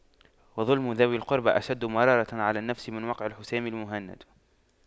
وَظُلْمُ ذوي القربى أشد مرارة على النفس من وقع الحسام المهند